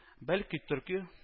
Бәлки төрки